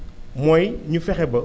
mooy ñu fexe ba